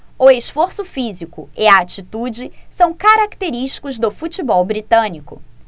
o esforço físico e a atitude são característicos do futebol britânico